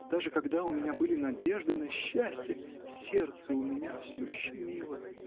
даже когда у меня были надежды на счастье, сердце у меня все щемило.